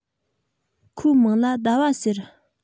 ཁོའི མིང ལ ཟླ བ ཟེར